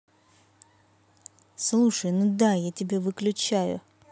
слушай ну да я тебя выключаю